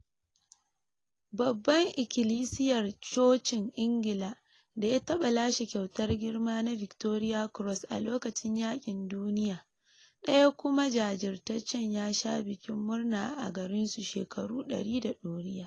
Babban ikilisiyar chocin ingila daya taba lashe kyautar girma na Victoria cross a lokacin yakin duniya Daya kuma jajirtacce ya sha bikin murna a garin su shekaru 100 da doriya.